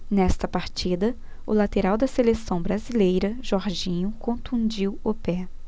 nesta partida o lateral da seleção brasileira jorginho contundiu o pé